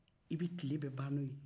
i bɛ tile bɛɛ ban n'o ye